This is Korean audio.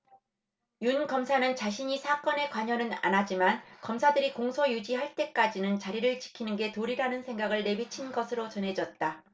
윤 검사는 자신이 사건에 관여는 안하지만 검사들이 공소유지 할 때까지는 자리를 지키는 게 도리라는 생각을 내비친 것으로 전해졌다